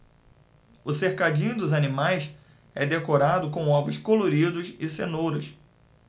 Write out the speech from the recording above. o cercadinho dos animais é decorado com ovos coloridos e cenouras